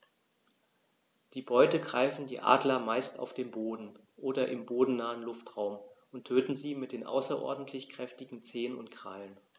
Die Beute greifen die Adler meist auf dem Boden oder im bodennahen Luftraum und töten sie mit den außerordentlich kräftigen Zehen und Krallen.